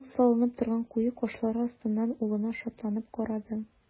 Ул салынып торган куе кашлары астыннан улына шатланып карады.